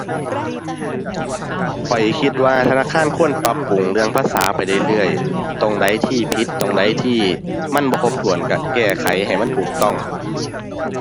ข้อยคิดว่าธนาคารควรปรับปรุงเรื่องภาษาไปเรื่อยเรื่อย ตรงใดที่ผิดตรงใดที่มันบ่ครบถ้วนก็แก้ไขให้มันถูกต้อง